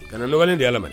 Kana nɔgɔlen di Ala